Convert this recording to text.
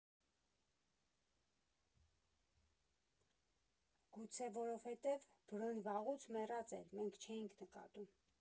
Գուցե որովհետև Բրոն վաղուց մեռած էր, մենք չէինք նկատում։